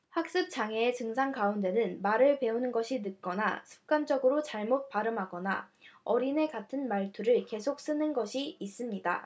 학습 장애의 증상 가운데는 말을 배우는 것이 늦거나 습관적으로 잘못 발음하거나 어린애 같은 말투를 계속 쓰는 것이 있습니다